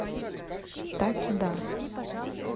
таки да